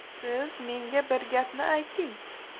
siz menga bir gapni ayting